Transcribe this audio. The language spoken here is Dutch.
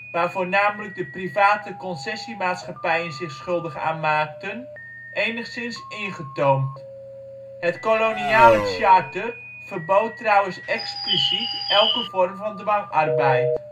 waar voornamelijk de private concessie-maatschappijen zich schuldig aan maakten, enigszins ingetoomd. Het Koloniale Charter verbood trouwens expliciet elke vorm van dwangarbeid